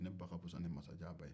ne ba ka fisa ni masajan ba ye